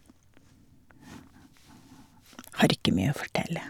Har ikke mye å fortelle.